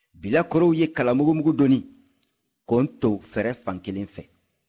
bilakorow ye kalamugumugu doni k'o ton fɛrɛ fan kelen fɛ